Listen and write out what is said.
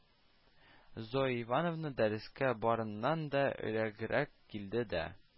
Зоя Ивановна дәрескә барыннан да элегрәк килде дә,